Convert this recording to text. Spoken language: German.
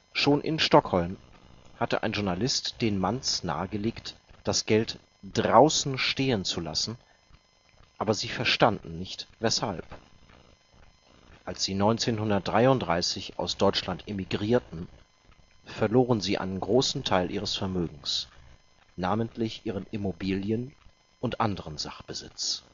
Schon in Stockholm hatte ein Journalist den Manns nahegelegt, das Geld „ draußen stehenzulassen “, aber sie verstanden nicht, weshalb. Als sie 1933 aus Deutschland emigrierten, verloren sie einen großen Teil ihres Vermögens, namentlich ihren Immobilien - und anderen Sachbesitz